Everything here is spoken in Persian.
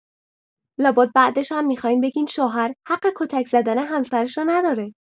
لابد بعدشم می‌خواین بگین شوهر حق کتک‌زدن همسرشو نداره!